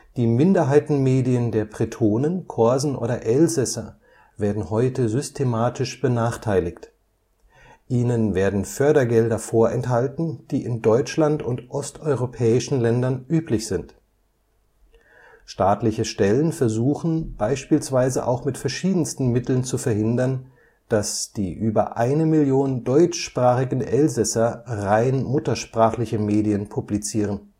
Die Minderheitenmedien der Bretonen, Korsen oder Elsässer werden heute systematisch benachteiligt. Ihnen werden Fördergelder vorenthalten, die in Deutschland und osteuropäischen Ländern üblich sind. Staatliche Stellen versuchen beispielsweise auch mit verschiedensten Mitteln zu verhindern, dass die über 1 Mio. deutschsprachigen Elsässer rein muttersprachliche Medien publizieren